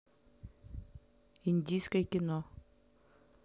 индийское кино